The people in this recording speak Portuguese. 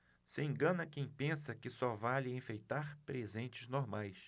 se engana quem pensa que só vale enfeitar presentes normais